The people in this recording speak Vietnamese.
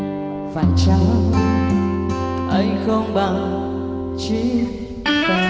phải chăng anh không bằng chí